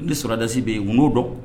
nidasi bɛ yen n'o dɔn